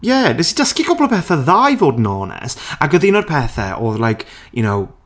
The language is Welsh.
Ie, wnes i dysgu cwpl o pethau dda i fod yn onest ac oedd un o'r pethau, oedd like, you know...